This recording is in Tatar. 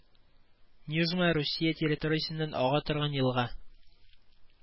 Нюжма Русия территориясеннән ага торган елга